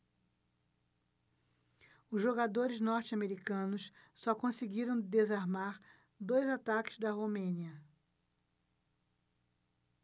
os jogadores norte-americanos só conseguiram desarmar dois ataques da romênia